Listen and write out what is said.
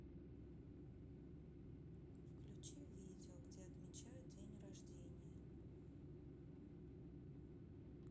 включи видео где отмечают день рождения